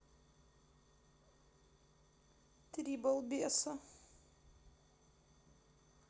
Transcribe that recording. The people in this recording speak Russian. три балбеса